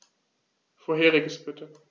Vorheriges bitte.